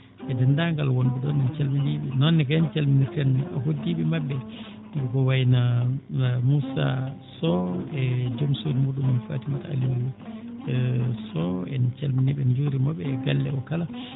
e deenndaangal wonɓe ɗon en calminiiɓe noon ne kayne calminirten hoddiiɓe maɓɓe ko wayi no Mousa Sow e joom suudu muuɗum fatimata Aliou Sow en calminii ɓe en njuuriima ɓe e galle oo kala